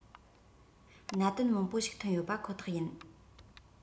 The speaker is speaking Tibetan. གནད དོན མང པོ ཞིག ཐོན ཡོད པ ཁོ ཐག ཡིན